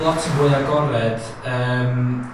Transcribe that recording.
lot yn fwy agored yym